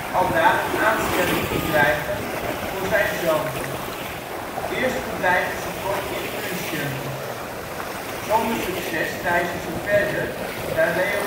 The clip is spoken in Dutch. aldaar een aanstelling te krijgen voor zijn zoon. Eerst verblijven ze kort in München. Zonder succes reizen ze verder naar